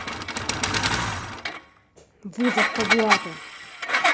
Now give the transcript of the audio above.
вызов по блату